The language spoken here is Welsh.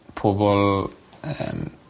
pobol yym